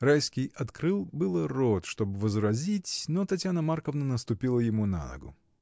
Райский открыл было рот, чтоб возразить, но Татьяна Марковна наступила ему на ногу.